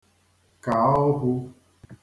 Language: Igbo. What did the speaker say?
kàa okwū